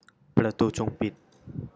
ประตูจงเปิด